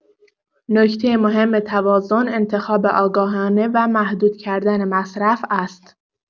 نکته مهم توازن، انتخاب آگاهانه و محدود کردن مصرف است.